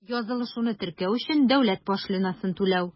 Язылышуны теркәү өчен дәүләт пошлинасын түләү.